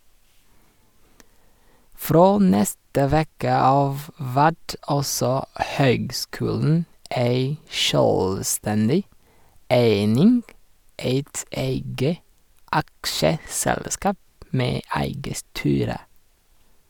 Frå neste veke av vert altså høgskulen ei sjølvstendig eining, eit eige aksjeselskap med eige styre.